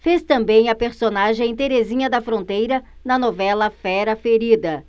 fez também a personagem terezinha da fronteira na novela fera ferida